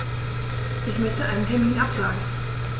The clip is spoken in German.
Ich möchte einen Termin absagen.